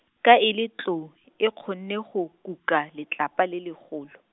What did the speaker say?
ka e le tlou, o kgonne go kuka, letlapa le legolo.